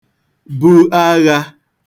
bu aghā